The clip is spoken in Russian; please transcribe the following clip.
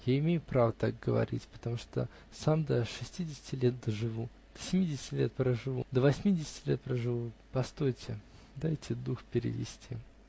Я имею право так говорить, потому что сам до шестидесяти лет доживу. До семидесяти лет проживу! До восьмидесяти лет проживу!. Постойте! Дайте дух перевести.